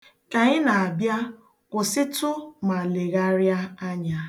Ka ị na-abịa, kwụsịtụ ma legharịa anya.